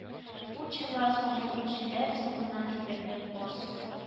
Тучылар саны үлчеләр саныннан сизелерлек аз